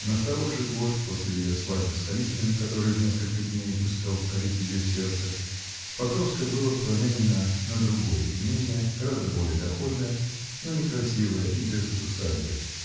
на второй же год после ее свадьбы с Калитиным, который в несколько дней успел покорить ее сердце, Покровское было променено на другое имение, гораздо более доходное, но некрасивое и без усадьбы